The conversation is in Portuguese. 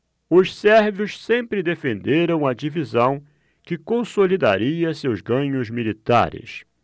os sérvios sempre defenderam a divisão que consolidaria seus ganhos militares